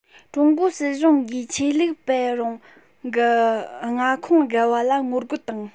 ཀྲུང གོའི སྲིད གཞུང གིས ཆོས ལུགས སྤེལ རུང གི མངའ ཁོངས བརྒལ བ ལ ངོ རྒོལ དང